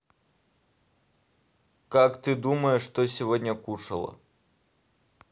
как ты думаешь что сегодня кушала